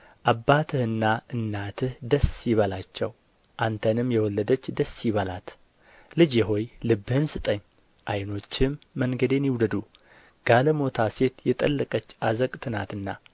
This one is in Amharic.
አባትህና እናትህ ደስ ይበላቸው አንተንም የወለደች ደስ ይበላት ልጄ ሆይ ልብህን ስጠኝ ዓይኖችህም መንገዴን ይውደዱ ጋለሞታ ሴት የጠለቀች ዐዘቅት ናትና